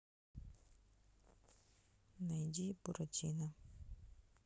найди буратино